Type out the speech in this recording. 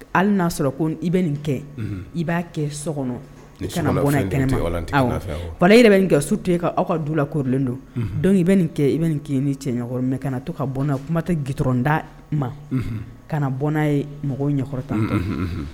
Hali n'a sɔrɔ ko i bɛ nin kɛ i b'a kɛ so kɔnɔ ka bɔn kɛnɛ bala yɛrɛ bɛ nin ka su to e aw ka du la kolen don dɔnku i i nin k ni cɛkɔrɔ mɛn ka na to ka bɔ kuma tɛ gtonda ma kana bɔnna ye mɔgɔ ɲɛkɔrɔ tan